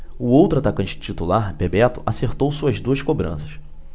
o outro atacante titular bebeto acertou suas duas cobranças